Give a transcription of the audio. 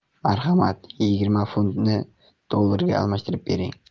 marhamat yigirma funtni dollarga almashtirib bering